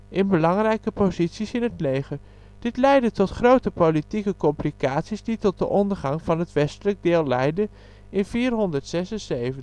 in belangrijke posities in het leger. Dit leidde tot grote politieke complicaties die tot de ondergang van het westelijk deel leidde in 476